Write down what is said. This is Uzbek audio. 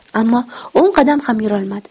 ammo o'n qadam ham yurolmadi